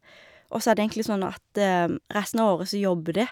Og så er det egentlig sånn at resten av året så jobber de.